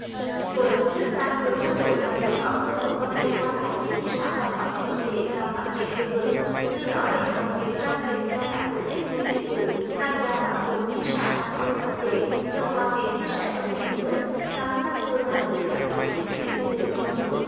với mục đích tăng cường trao đổi và hiểu rõ hơn mối quan hệ qua lại giữa di sản văn hóa phi vật thể và phát triển bền vững từ đó đẩy mạnh việc trao quyền cho các tổ chức phi chính phủ tham gia bảo tồn di sản văn hóa phi vật thể thông qua việc chia sẻ thông tin hữu ích và tăng cường mạng lưới các tổ chức phi chính phủ trong khu vực